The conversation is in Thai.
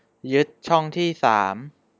ยึดช่องที่สาม